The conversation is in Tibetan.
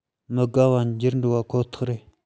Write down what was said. མི དགའ བར འགྱུར འགྲོ པ ཁོ ཐག རེད